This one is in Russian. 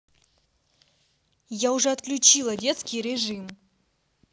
я уже отключила детский режим